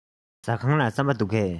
ཟ ཁང ལ རྩམ པ འདུག གས